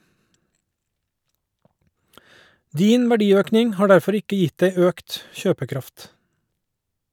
Din verdiøkning har derfor ikke gitt deg økt kjøpekraft.